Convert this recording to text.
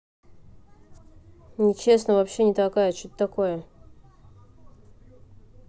нечестно вообще не такая что это такое